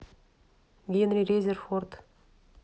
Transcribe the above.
генри резерфорд